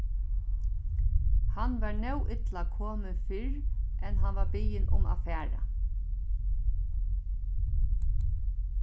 hann var nóg illa komin fyrr enn hann varð biðin um at fara